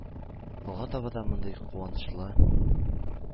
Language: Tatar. Алга таба да мондый куанычлы